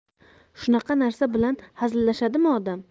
shunaqa narsa bilan hazillashadimi odam